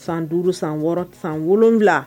San duuru san wɔɔrɔ san wolonwula